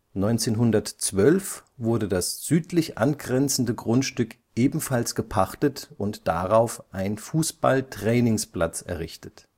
1912 wurde das südlich angrenzende Grundstück ebenfalls gepachtet und darauf ein Fußball-Trainingsplatz errichtet